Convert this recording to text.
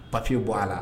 Bafin'i bɔ a la